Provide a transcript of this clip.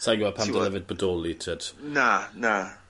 Sai'n gwbo pam dyle fe bodoli t'wod? Na na.